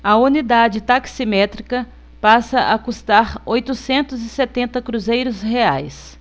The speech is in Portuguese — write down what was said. a unidade taximétrica passa a custar oitocentos e setenta cruzeiros reais